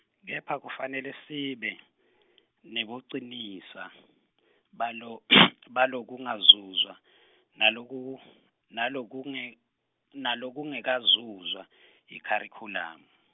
kepha kufanele sibe, nebucinisa, balo balokungazuzwa , nalokuku-, nalokunge- nalokungekekwazuzwa , yikharikhulamu.